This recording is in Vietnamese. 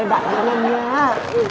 nhớ